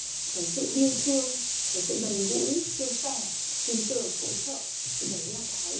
cái sự yêu thương gần gũi chia sẻ tin tưởng hỗ trợ thì đấy là cái